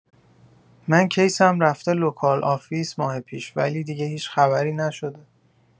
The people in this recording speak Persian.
من کیسم رفته لوکال افیس ماه پیش ولی دیگه هیچ خبری نشده